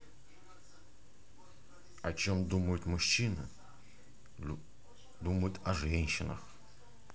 комедия о чем думают мужчины